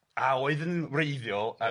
a oedd yn wreiddiol... Ia...